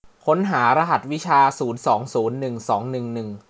ค้นหารหัสวิชาศูนย์สองศูนย์หนึ่งสองหนึ่งหนึ่ง